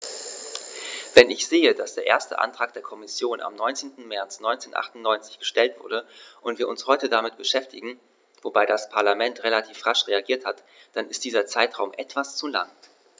Wenn ich sehe, dass der erste Antrag der Kommission am 19. März 1998 gestellt wurde und wir uns heute damit beschäftigen - wobei das Parlament relativ rasch reagiert hat -, dann ist dieser Zeitraum etwas zu lang.